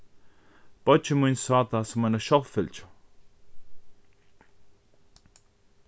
beiggi mín sá tað sum eina sjálvfylgju